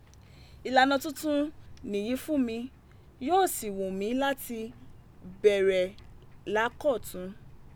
Ilana tuntun niyi fun mi, yoo si wu mi lati bẹrẹ lakọtun.